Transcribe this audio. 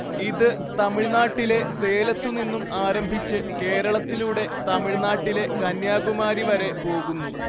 ഇത് തമിഴ് നാട്ടിലെ സേലത്തുനിന്നും ആരംഭിച്ച് കേരളത്തിലൂടെ തമിഴ് നാട്ടിലെ കന്യാകുമാരി വരെ പോകുന്നു